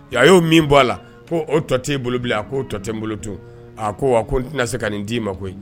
A y'o min bɔ a la ko o tɔ tɛ bolo bile a ko o tɔ tɛ n bolo tun a ko wa ko n tɛna se ka nin d'i ma koyi.